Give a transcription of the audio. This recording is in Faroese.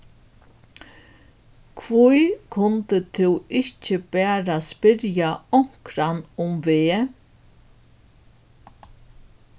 hví kundi tú ikki bara spyrja onkran um veg